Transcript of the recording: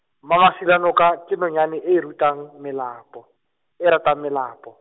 Mmamasilanoka, ke nonyane e e rutang melapo, e e ratang melapo.